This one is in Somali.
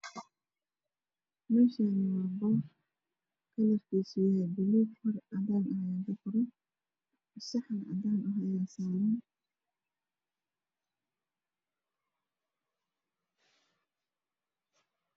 Meshaani waa boor kalarkiisu yahay baluug far cadan ah ayaa ku qoran saxan cadan ah ayaa saran